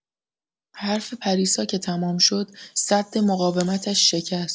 حرف پریسا که تمام شد، سد مقاومتش شکست.